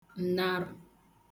ǹnarụ